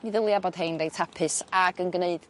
mi ddylia bod 'hein reit hapus ac yn gneud